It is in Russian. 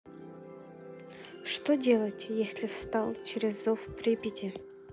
что делать если встал через зов припяти